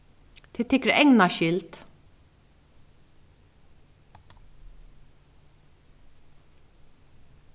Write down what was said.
tað er tykra egna skyld